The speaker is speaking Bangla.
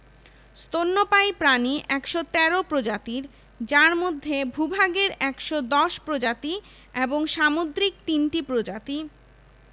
বন সম্পদঃ মোট বনাঞ্চল ২১হাজার ৪০৩ বর্গ কিলোমিটার সুন্দরবনের আয়তন ৪হাজার ১১০ বর্গ কিলোমিটার এবং পার্বত্য বনভূমির পরিমাণ